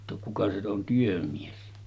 jotta kuka se on työmies